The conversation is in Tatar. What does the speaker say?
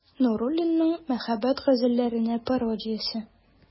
Нуруллинның «Мәхәббәт газәлләренә пародия»се.